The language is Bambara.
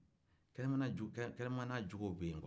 kɛnɛmanacogo kɛnɛmana cogow bɛ yen